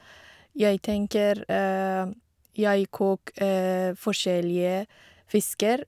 Jeg tenker jeg kok forskjellige fisker.